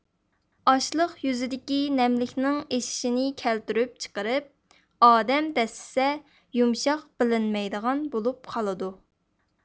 ئاشلىق يۈزىدىكى نەملىكنىڭ ئېشىشىنى كەلتۈرۈپ چىقىرىپ ئادەم دەسسىسە يۇمشاق بىلىنمەيدىغان بولۇپ قالىدۇ